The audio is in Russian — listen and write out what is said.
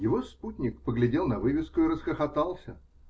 Его спутник поглядел на вывеску и расхохотался.